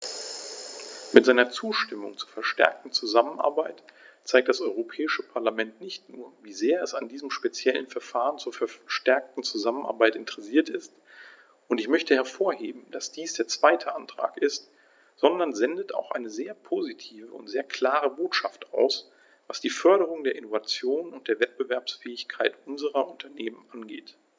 Mit seiner Zustimmung zur verstärkten Zusammenarbeit zeigt das Europäische Parlament nicht nur, wie sehr es an diesem speziellen Verfahren zur verstärkten Zusammenarbeit interessiert ist - und ich möchte hervorheben, dass dies der zweite Antrag ist -, sondern sendet auch eine sehr positive und sehr klare Botschaft aus, was die Förderung der Innovation und der Wettbewerbsfähigkeit unserer Unternehmen angeht.